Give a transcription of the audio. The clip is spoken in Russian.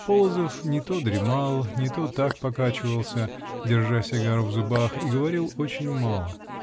Полозов не то дремал, не то так покачивался, держа сигару в зубах, и говорил очень мало